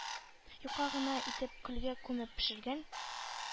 Юка гына итеп көлгә күмеп пешергән